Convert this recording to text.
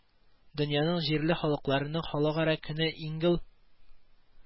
Дөньяның җирле халыкларының халыкара көне ингл